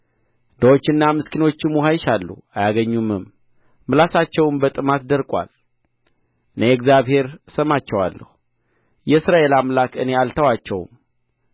ድሆችና ምስኪኖችም ውኃ ይሻሉ አያገኙምም ምላሳቸውም በጥማት ደርቋል እኔ እግዚአብሔር እሰማቸዋለሁ የእስራኤል አምላክ እኔ አልተዋቸውም